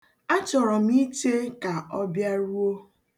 A chọrọ m ịche ka ọ bịaruo.